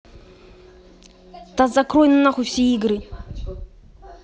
да закрой нахуй все игры